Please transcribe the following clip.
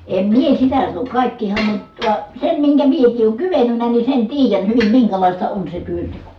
en minä sitä sano kaikkihan ne tuo sen minkä minäkin olen kyennyt niin sen tiedän hyvin minkälaista on se työnteko